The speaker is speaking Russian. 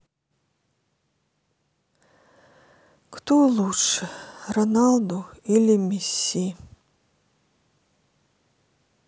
кто лучше роналду или месси